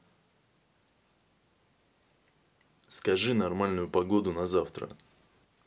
скажи нормальную погоду на завтра